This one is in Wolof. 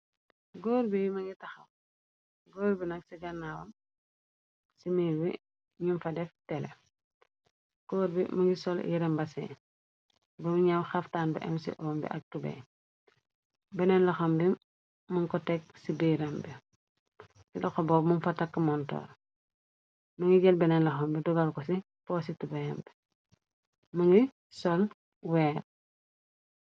góor bi mangi taxaw góor bi nag ci gannaawam ci miil wi ñum fa def tele cór bi më ngi sol yerem basee bamu ñaaw xaftaan bu im ci om bi ak tubee beneen loxam bi mën ko tekk ci biiram bi di doxo bop mum fa takk montor ma ngi jël beneen loxam bi dogal ko ci positu beyam bi më ngi sol weer